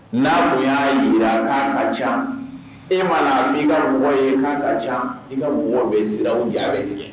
N'amu y'a jira k'a ka ca e m'a la min ka mɔgɔ ye'a ka ca i ka mɔgɔ bɛ sira u ja bɛ tigɛ